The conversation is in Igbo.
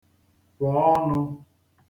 kwọ ọnụ̄